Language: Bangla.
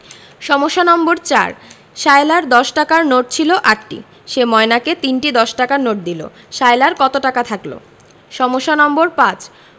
সমস্যা নম্বর ৪ সায়লার দশ টাকার নোট ছিল ৮টি সে ময়নাকে ৩টি দশ টাকার নোট দিল সায়লার কত টাকা থাকল সমস্যা নম্বর ৫